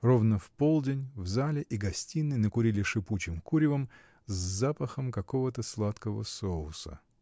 Ровно в полдень в зале и гостиной накурили шипучим куревом с запахом какого-то сладкого соуса.